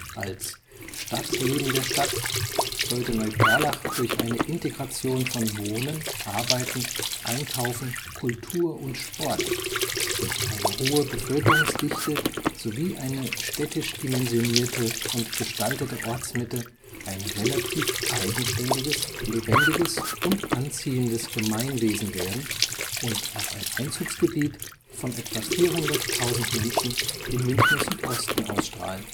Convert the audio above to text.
Als „ Stadt neben der Stadt “sollte Neuperlach durch eine Integration von Wohnen, Arbeiten, Einkaufen, Kultur und Sport, durch eine hohe Bevölkerungsdichte sowie eine städtisch dimensionierte und gestaltete Ortsmitte ein relativ eigenständiges, lebendiges und anziehendes Gemeinwesen werden und auf ein Einzugsgebiet von etwa 400.000 Menschen im Münchner Südosten ausstrahlen